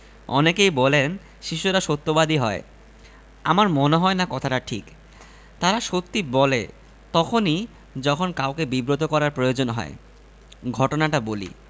অনেকেই বলেন শিশুরা সত্যবাদী হয় আমার মনে হয় না কথাটা ঠিক তারা সত্যি বলে তখনি যখন কাউকে বিব্রত করার প্রয়োজন হয় ঘটনাটা বলি